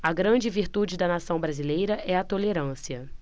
a grande virtude da nação brasileira é a tolerância